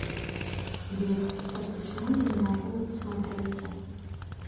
beer так почему я не могу смотреться